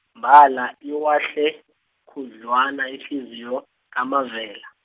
mbala iwahle, khudlwana ihliziyo, kaMavela.